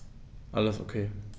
Alles OK.